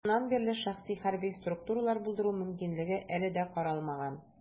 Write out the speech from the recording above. Тик шуннан бирле шәхси хәрби структуралар булдыру мөмкинлеге әле дә каралмаган.